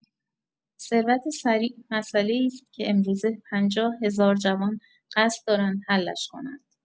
ثروت سریع مساله‌ای است که امروزه پنجاه هزار جوان قصد دارند حلش کنند.